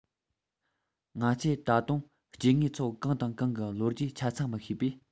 ང ཚོས ད དུང སྐྱེ དངོས ཚོགས གང དང གང གི ལོ རྒྱུས ཆ ཚང མི ཤེས པས